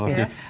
yes.